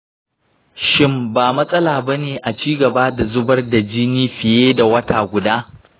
shin ba matsala ba ne a ci gaba da zubar da jini fiye da wata guda?